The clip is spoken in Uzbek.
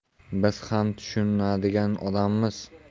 biz ham tushunadigan odammiz